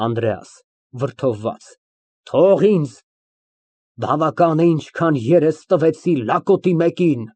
ԱՆԴՐԵԱՍ ֊ (Վրդովված) Թող ինձ, բավական է ինչքան երես տվեցի լակոտի մեկին։